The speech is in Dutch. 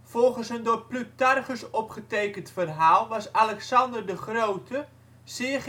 Volgens een door Plutarchus opgetekend verhaal was Alexander de Grote zeer